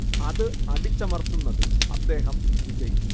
അത് അടിച്ചമർത്തുന്നതിൽ അദ്ദേഹം വിജയിച്ചു